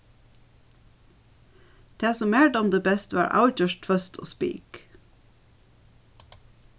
tað sum mær dámdi best var avgjørt tvøst og spik